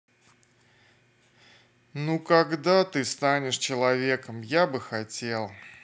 ну когда ты станешь человеком я бы хотел